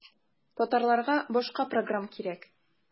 Татарларга башка программ кирәк.